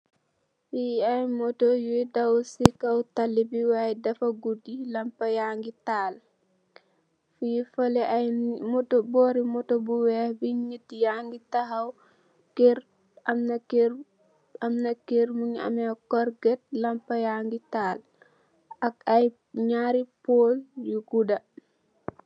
Li aye motor yuy daw si kaw tali waye dafa gudi lamp pa yange taal .Faleh si bori motor bu weex nit yange tahaw, amna keur mungi ame corget lamp pa yange taal ak aye nyarri pole yu guddah